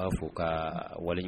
U b'a fɔ ka wali